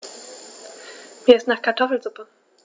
Mir ist nach Kartoffelsuppe.